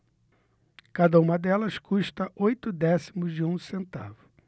cada uma delas custa oito décimos de um centavo